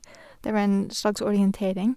Det var en slags orientering.